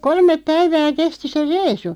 kolme päivää kesti se reissu